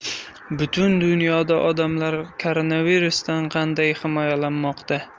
butun dunyoda odamlar koronavirusdan qanday himoyalanmoqda